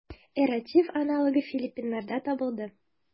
Эрратив аналогы филиппиннарда табылды.